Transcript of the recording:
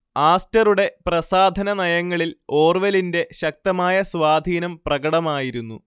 ആസ്റ്ററുടെ പ്രസാധനനയങ്ങളിൽ ഓർവെലിന്റെ ശക്തമായ സ്വാധീനം പ്രകടമായിരുന്നു